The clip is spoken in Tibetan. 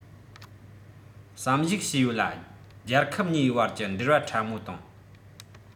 བསམ གཞིགས བྱས ཡོད ལ རྒྱལ ཁབ གཉིས བར གྱི འབྲེལ བ ཕྲ མོ དང